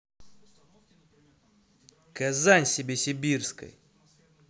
казань себе сибирской